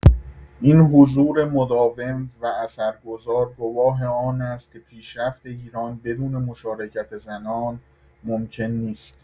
این حضور مداوم و اثرگذار گواه آن است که پیشرفت ایران بدون مشارکت زنان ممکن نیست.